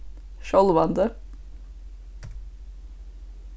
sjálvandi